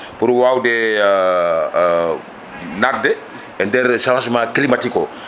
pour wawde nadde e nder changement climatique o